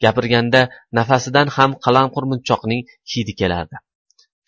gapirganda nafasidan ham qalampirmunchoqning hidi kelardi